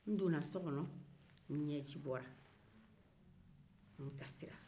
n donna so kɔnɔ n ɲɛji bɔra n kasira